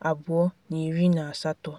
2018.